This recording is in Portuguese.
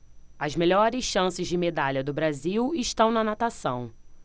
as melhores chances de medalha do brasil estão na natação